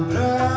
đã